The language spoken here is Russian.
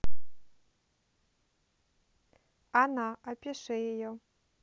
она опиши ее